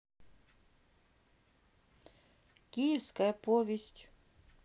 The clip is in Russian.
киевская повесть